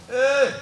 Ee